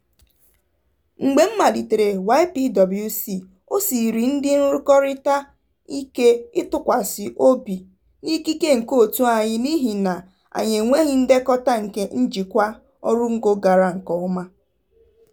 Mgbe m malitere YPWC, o siiri ndị nrụkọrịta ike ịtụkwasị obi n'ikike nke òtù anyị n'ịhị na anyị enweghị ndekọta nke njikwa ọrụngo gara nke ọma.